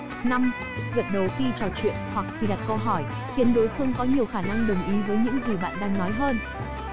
gật đầu khi trò chuyện hoặc khi đặt câu hỏi khiến đối phương có nhiều khả năng đồng ý với những gì bạn đang nói hơn